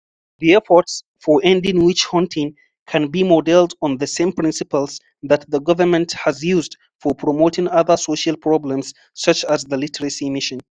The efforts for ending witch hunting can be modeled on the same principles that the government has used for promoting other social problems such as the literacy mission.